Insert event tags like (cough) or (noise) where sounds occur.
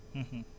(hesitation) (hesitation)